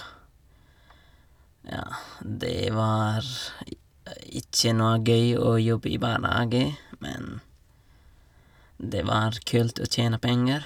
Ja, det var i ikke noe gøy å jobbe i barnehage, men det var kult å tjene penger.